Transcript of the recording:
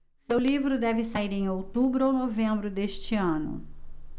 seu livro deve sair em outubro ou novembro deste ano